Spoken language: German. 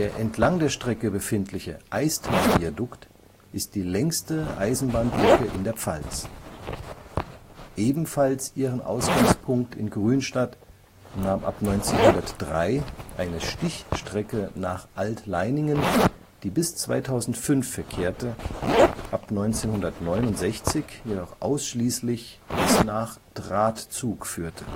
entlang der Strecke befindliche Eistalviadukt ist die längste Eisenbahnbrücke in der Pfalz. Ebenfalls ihren Ausgangspunkt in Grünstadt nahm ab 1903 eine Stichstrecke nach Altleiningen, die bis 2005 verkehrte, ab 1969 jedoch ausschließlich bis nach Drahtzug führte